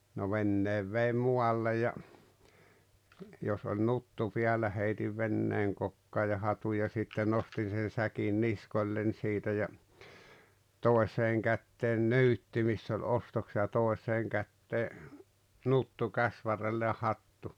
no veneen vein muualle ja jos oli nuttu päällä heitin veneen kokkaan ja hatun ja sitten nostin sen säkin niskoilleni siitä ja toiseen käteen nuttu missä oli ostokset ja toiseen käteen nuttu käsivarrelle ja hattu